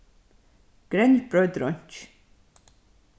grenj broytir einki